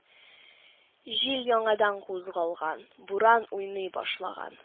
Җил яңадан кузгалган, буран уйный башлаган